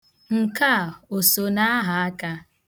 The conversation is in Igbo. Nke a o so na ahaaka?